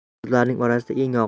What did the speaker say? bu so'zlarning orasida eng